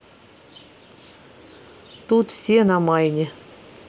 тут все на майне